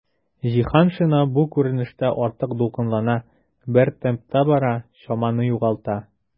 Җиһаншина бу күренештә артык дулкынлана, бер темпта бара, чаманы югалта.